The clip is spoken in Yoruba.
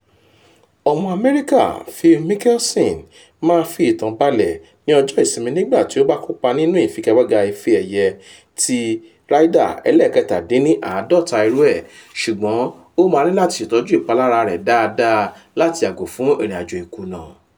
Ọmọ Amẹ́ríkà Phil Mickelson máa fi ìtan balẹ̀ ní ọjọ́ Ìsinmi nígbà tí ó bá kópa nínú ìfigagbága ife ẹ̀yẹ ti 47th Ryder, ṣùgbọ́n ó máa níláti ṣètọ́jú ìpalára rẹ̀ dáadáa láti yàgò fún ìrìnàjò ìkùnà.